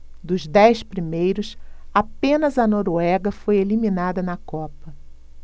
dos dez primeiros apenas a noruega foi eliminada da copa